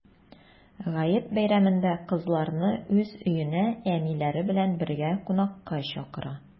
Гает бәйрәмендә кызларны уз өенә әниләре белән бергә кунакка чакыра.